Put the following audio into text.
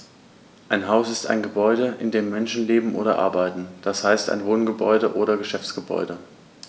Ein Haus ist ein Gebäude, in dem Menschen leben oder arbeiten, d. h. ein Wohngebäude oder Geschäftsgebäude.